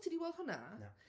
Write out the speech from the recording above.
Ti 'di weld hwnna?... Na.